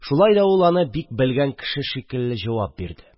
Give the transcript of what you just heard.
Шулай да ул аны бик белгән кеше шикелле җавап бирде: